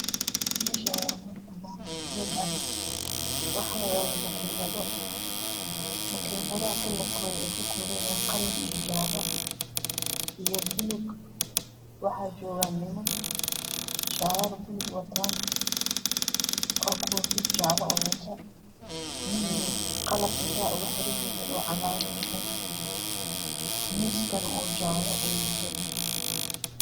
Meshani waa meel banaan waxaa yala makinado misabkoodu ka koban yahay qalin iyo bulug waxaa joogan niman shrkodu yahay bulug iyo kofi jala ah